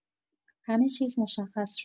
همه چیز مشخص شد.